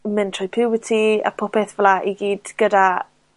mynd trwy puberty a popeth fela i gyd gyda